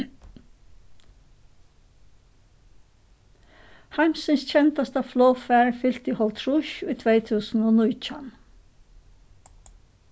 heimsins kendasta flogfar fylti hálvtrýss í tvey túsund og nítjan